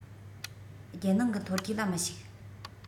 རྒྱལ ནང གི མཐོ རྒྱུགས ལ མི ཞུགས